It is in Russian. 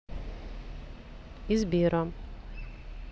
и сбера